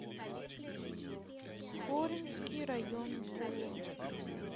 хоринский район булум